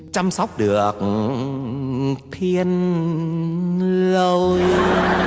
chăm sóc được thiên lôi lôi